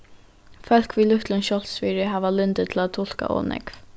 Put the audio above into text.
fólk við lítlum sjálvsvirði hava lyndi til at tulka ov nógv